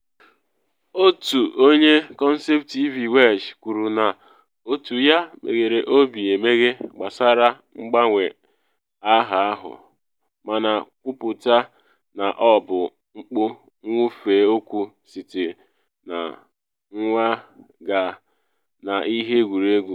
Otu onye Kọnzavetiv Welsh kwuru na otu ya “meghere obi emeghe” gbasara mgbanwe aha ahụ, mana kwupụta na ọ bụ mkpumkpu nwụfe okwu site na MWP gaa na Ihe Egwuregwu.